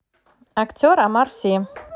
актер омар си